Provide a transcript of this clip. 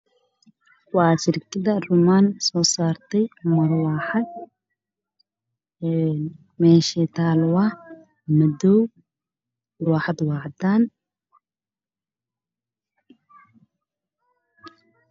Meeshaan waxay iga muuqda shirkadda romaan waxay soo saartay muraaxaad kalarkeedu yahay caddaan